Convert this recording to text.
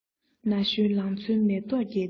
ན གཞོན ལང ཚོའི མེ ཏོག རྒྱས དུས